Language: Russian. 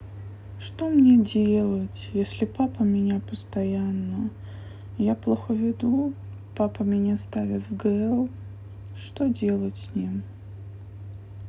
что мне делать если папа меня постоянно я плохо веду папа меня ставит в гл что сделать с ним